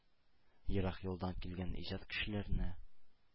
Ерак юлдан килгән иҗат кешеләренә.